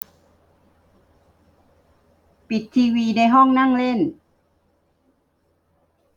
ปิดทีวีในห้องนั่งเล่น